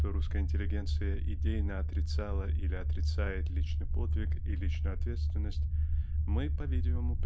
что русская интеллигенция идейно отрицала или отрицает личный подвиг и личную ответственность мы по-видимому